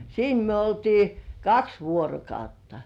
siinä me oltiin kaksi vuorokautta